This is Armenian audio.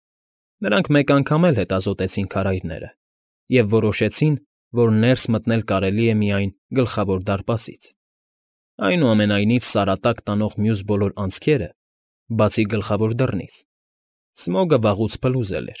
Նրանք մեկ անգամ էլ հետազոտեցին քարայրները և որոշեցին, որ ներս մտնել կարելի է միայն Գլխավոր դարպասից, այնուամենայնիվ Սարատակ տանող մյուս բոլոր անցքերը (բացի գլխավոր դռնից) Սմոգը վաղուց փլուզել։